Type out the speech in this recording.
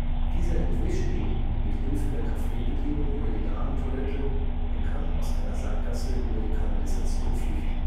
Dieser entwischt ihm mithilfe der Cafébedienung über die Damentoilette und kann aus einer Sackgasse über die Kanalisation flüchten